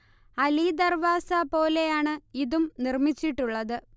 അലിദർവാസ പോലെയാണ് ഇതും നിർമിച്ചിട്ടുള്ളത്